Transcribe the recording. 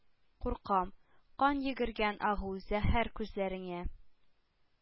Куркам; Кан йөгергән агу, зәһәр күзләреңә.